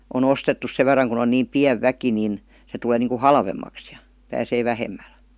on ostettu sen verran kun on niin pieni väki niin se tulee niin kuin halvemmaksi ja pääsee vähemmällä